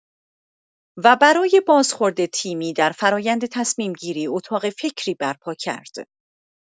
و برای بازخورد تیمی در فرایند تصمیم‌گیری اتاق فکری برپا کرد.